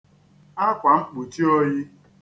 akwamkpuchioyi